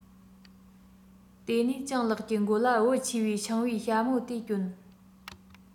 དེ ནས སྤྱང ལགས ཀྱི མགོ ལ བུ ཆེ བའི ཕྱིང པའི ཞྭ མོ དེ གྱོན